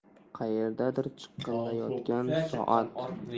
qayerdadir chiqillayotgan soat